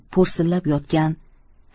po'rsillab yotgan